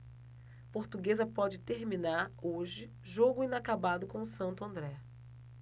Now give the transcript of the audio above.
portuguesa pode terminar hoje jogo inacabado com o santo andré